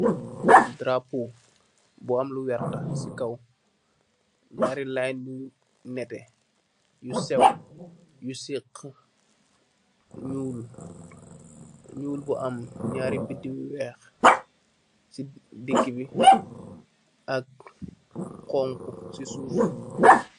Daraapooh, bu am lu werta si kaw, nyaari line nyu neteh, nyu sew, nyu seukheuh, nyuul bu am nyaari bidiw weekh si digh bi, ak khonkhu si suuf.